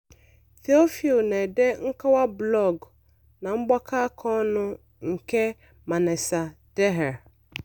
Théophile na-ede nkọwa blọọgụ na mgbakọ aka ọnụ nke Manasseh Deheer.